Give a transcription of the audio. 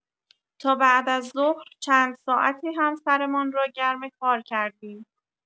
تا بعد از ظهر چند ساعتی هم سرمان را گرم کار کردیم.